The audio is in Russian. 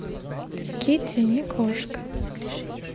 kitty не кошка